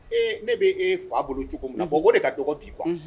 Ne b' ee fa bolo cogo min na bɔ o de ka dugawuɔgɔ'i kuwa